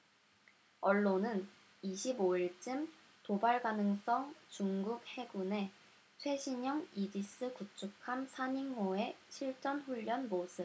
언론은 이십 오 일쯤 도발 가능성중국 해군의 최신형 이지스 구축함 시닝호의 실전훈련 모습